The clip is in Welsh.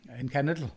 Ein cenedl.